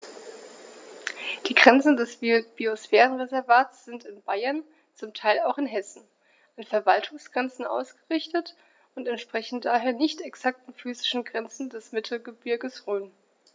Die Grenzen des Biosphärenreservates sind in Bayern, zum Teil auch in Hessen, an Verwaltungsgrenzen ausgerichtet und entsprechen daher nicht exakten physischen Grenzen des Mittelgebirges Rhön.